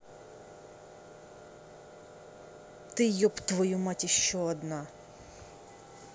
ты еб твою мать еще одна